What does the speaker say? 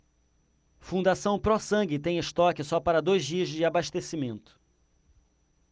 fundação pró sangue tem estoque só para dois dias de abastecimento